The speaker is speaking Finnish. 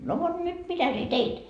no vot nyt mitä sinä teit